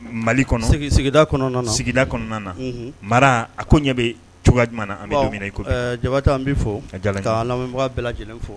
Mali kɔnɔ sigida kɔnɔna sigida kɔnɔna na mara a ko ɲɛ bɛ cogoya jumɛn na an bɛ don mina Jabate an b'i fo ka bɛɛ lajɛlen fo.